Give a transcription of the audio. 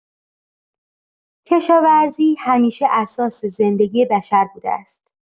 کشاورزی همیشه اساس زندگی بشر بوده است.